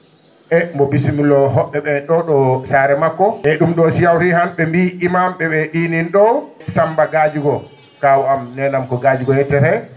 e mbo bisimilloo ho??e ?ee ?oo ?o Saare makko e ?um ?oo si yawtii han ?e mbi imam?e ?ee ?iinin ?oo Samba Gadjigo kawu am neene am ko Gadjigo yetteree